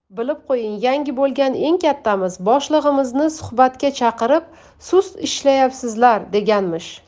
bilib qo'ying yangi bo'lgan eng kattamiz boshlig'imizni suhbatga chaqirib sust ishlayapsizlar deganmish